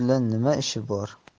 bilan nima ishi bor